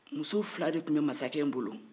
muso fila de tun bɛ masakɛ in bolo